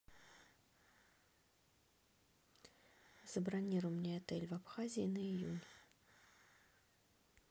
забронируй мне отель в абхазии на июнь